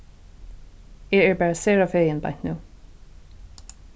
eg eri bara sera fegin beint nú